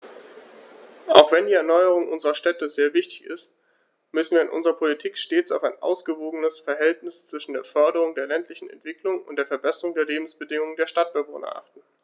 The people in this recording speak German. Auch wenn die Erneuerung unserer Städte sehr wichtig ist, müssen wir in unserer Politik stets auf ein ausgewogenes Verhältnis zwischen der Förderung der ländlichen Entwicklung und der Verbesserung der Lebensbedingungen der Stadtbewohner achten.